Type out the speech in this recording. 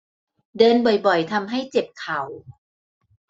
เดินบ่อยบ่อยทำให้เจ็บเข่า